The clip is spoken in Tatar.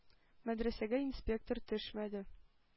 Мәдрәсәгә инспектор төшмәде.